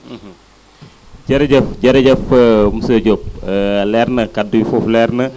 jërëjëf jërëjëf monsieur Diop leer na kaddu yi foofu leer na